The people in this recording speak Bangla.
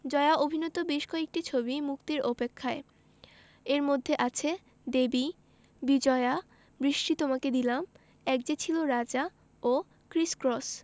জয়া অভিনীত বেশ কয়েকটি ছবি মুক্তির অপেক্ষায় এর মধ্যে আছে দেবী বিজয়া বৃষ্টি তোমাকে দিলাম এক যে ছিল রাজা ও ক্রিস ক্রস